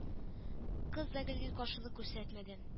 Кыз да гел-гел каршылык күрсәтмәгән